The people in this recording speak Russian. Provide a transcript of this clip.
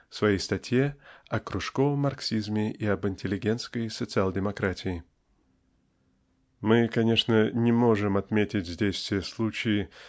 в своей статье "О кружковом марксизме и об интеллигентской социал-демократии" . Мы конечно не можем отметить здесь все случаи